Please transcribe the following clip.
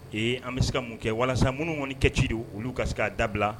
Ee an bɛ se ka mun kɛ walasa minnu kɔnni ka ci don olu ka se k'a dabila